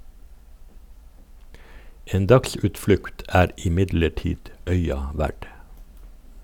En dagsutflukt er imidlertid øya verd.